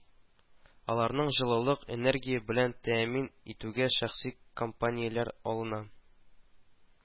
Аларны җылылык, энергия белән тәэмин итүгә шәхси компанияләр алына